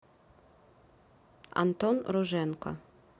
антон руженко